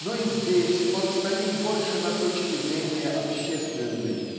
но и здесь он стоит больше на точке зрения общественной